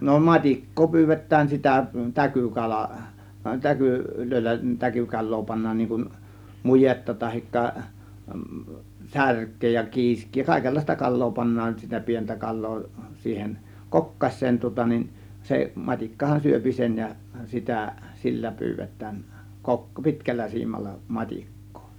no matikkaa pyydetään sitä täkykala - täkyillä täkykalaa pannaan niin kuin mujetta tai särkeä ja kiiskeä ja kaikenlaista kalaa pannaan sitä pientä kalaa siihen kokkaseen tuota niin se matikkahan syö sen ja sitä sillä pyydetään - pitkällä siimalla matikkaa